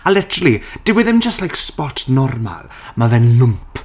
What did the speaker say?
A literally, dyw e ddim jyst fel sbot normal, ma' fe'n lwmp.